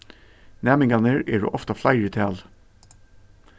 næmingarnir eru ofta fleiri í tali